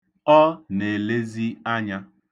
Ọ na-elezi anya.